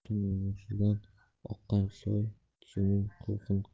tun og'ushida hayqirib oqqan soy suvining to'lqini bu